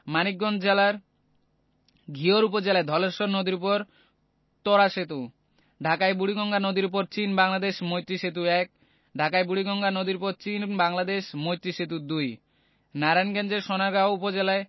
মানিকগঞ্জ জেলার ঘিওর উপজেলায় ধলেশ্বরী নদীর উপর ত্বরা সেতু ঢাকায় বুড়িগঙ্গা নদীর উপর চীন বাংলাদেশ মৈত্রী সেতু ১ ঢাকায় বুড়িগঙ্গা নদীর উপর চীন বাংলাদেশ মৈত্রী সেতু ২ নারায়ণগঞ্জের সোনারগাঁও উপজেলায়